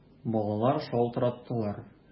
Балалар шалтыраттылар!